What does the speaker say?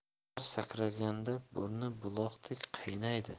har sakraganda burni buloqdek qaynaydi